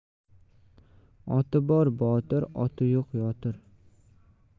oti bor botir oti yo'q yotir